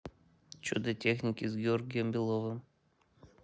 чудо техники с георгием беловым